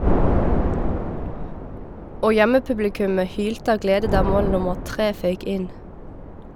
Og hjemmepublikumet hylte av glede da mål nummer tre føyk inn.